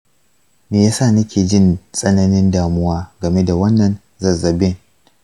me yasa nake jin tsananin damuwa game da wannan zazzabin?